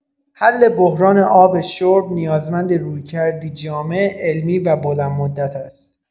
حل بحران آب شرب نیازمند رویکردی جامع، علمی و بلندمدت است.